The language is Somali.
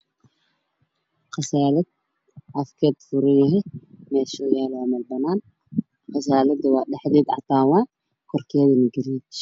Qasaalad afkeedu furan yahay meeshuu yaalo waa meel banaan ah qasaaladu waa dhax deedu cadaan waa kor keeduna gaduud